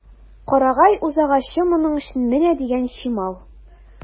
Карагай үзагачы моның өчен менә дигән чимал.